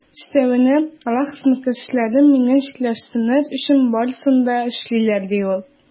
Өстәвенә, алар хезмәттәшләрем миннән читләшсеннәр өчен барысын да эшлиләр, - ди ул.